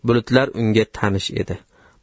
bulutlar unga tanish edi